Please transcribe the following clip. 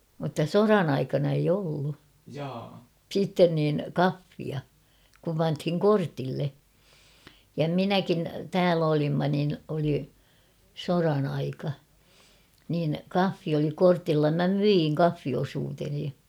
mutta sodan aikana ei ollut sitten niin kahvia kun pantiin kortille ja minäkin täällä olimme niin oli sodan aika niin kahvi oli kortilla minä myin kahviosuuteni